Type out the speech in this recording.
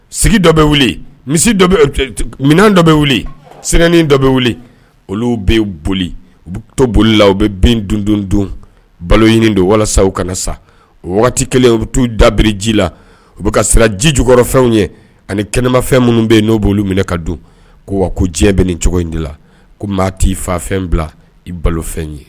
Sigi dɔ bɛ wuli misi dɔ minɛn dɔ bɛ wuli sin dɔ bɛ wuli olu bɛ boli u bɛ to boli la u bɛ bin dundon don balo ɲini don walasaw kana sa o waati kelen u bɛ t taa u dabiri ji la u bɛ ka siran ji jukɔrɔfɛnw ye ani kɛnɛmafɛn minnu bɛ n'o b' olu minɛ ka don ko wa ko diɲɛ bɛ ni cogo in de la ko maa t' i fa fɛn bila i balofɛn ye